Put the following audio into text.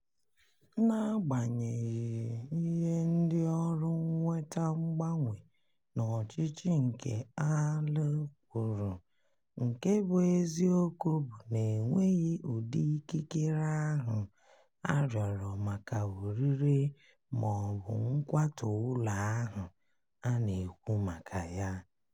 Na-agbaghenyị ihe ndị ọrụ mweta mgbanwe n'ọchịchị nke AL kwuru, nke bụ eziokwu bụ na e nweghị udị ikikere ahụ a rịọrọ maka orire ma ọ bu nkwatu ụlọ ahụ a na-ekwu maka ya.